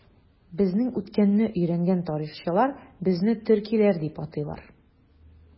Безнең үткәнне өйрәнгән тарихчылар безне төркиләр дип атыйлар.